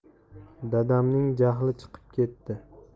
dadamning jahli chiqib ketdi